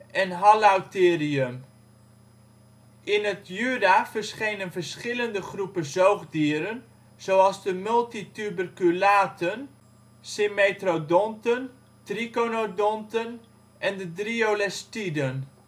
en Hallautherium. In het Jura verschenen verschillende groepen zoogdieren, zoals de multituberculaten (multi 's), symmetrodonten, triconodonten en de dryolestiden